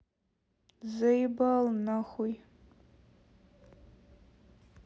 заебал нахуй